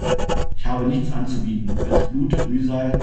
habe nichts anzubieten als Blut, Mühsal